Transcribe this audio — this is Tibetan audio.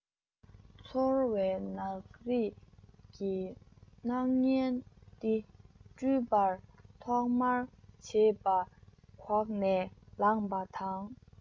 ཚོར བའི ནག རིས ཀྱི སྣང བརྙན འདི བསྐྲུན པར ཐོག མར བྱིས པ གོག ནས ལངས པ དང